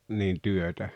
niin työtä